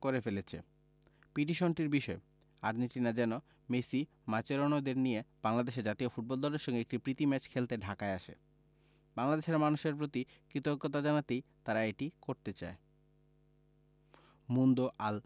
করে ফেলেছে পিটিশনটির বিষয় আর্জেন্টিনা যেন মেসি মাচেরানোদের নিয়ে বাংলাদেশ জাতীয় ফুটবল দলের সঙ্গে একটা প্রীতি ম্যাচ খেলতে ঢাকায় আসে বাংলাদেশের মানুষের প্রতি কৃতজ্ঞতা জানাতেই তারা এটি করতে চায় মুন্দো আল